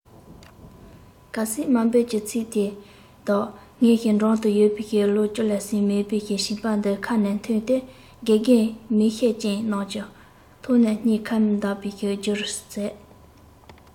གལ སྲིད དམའ འབེབས ཀྱི ཚིག དེ དག ངའི འགྲམ དུ ཡོད པའི ལོ བཅུ ལས ཟིན མེད པའི བྱིས པ འདིའི ཁ ནས ཐོན ཏེ དགེ རྒན མིག ཤེལ ཅན རྣམས ཀྱིས ཐོས ན སྙིང ཁ འདར བའི རྒྱུ རུ ཟད